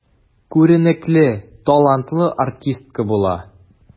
Күренекле, талантлы артистка була.